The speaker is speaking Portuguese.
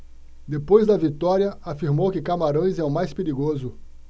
depois da vitória afirmou que camarões é o mais perigoso